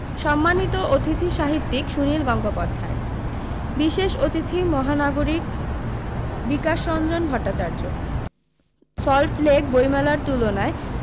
সম্মানিত অতিথি সাহিত্যিক সুনীল গঙ্গোপাধ্যায় বিশেষ অতিথি মহানাগরিক বিকাশরঞ্জন ভট্টাচার্য সল্টলেক বই মেলার তুলনায়